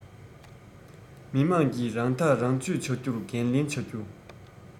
མི དམངས ཀྱིས རང ཐག རང གཅོད བྱ རྒྱུར འགན ལེན བྱ རྒྱུ